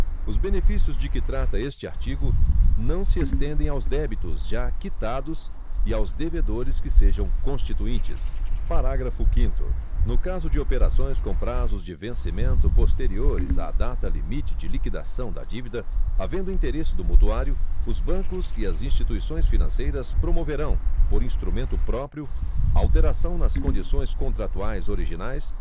os benefícios de que trata este artigo não se estendem aos débitos já quitados e aos devedores que sejam constituintes parágrafo quinto no caso de operações com prazos de vencimento posteriores à data limite de liquidação da dívida havendo interesse do mutuário os bancos e as instituições financeiras promoverão por instrumento próprio alteração nas condições contratuais originais